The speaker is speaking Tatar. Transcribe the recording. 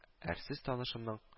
Әрсез танышымның